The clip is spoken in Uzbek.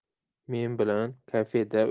men bilan kafeda